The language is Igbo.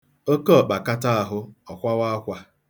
Okeọkpa kata ahụ, ọ kwawa akwa.